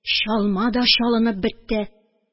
Чалма да чалынып бетте.